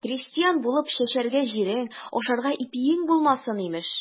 Крестьян булып, чәчәргә җирең, ашарга ипиең булмасын, имеш.